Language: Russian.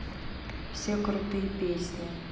все крутые песни